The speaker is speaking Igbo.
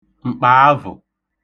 m̀kpàavụ̀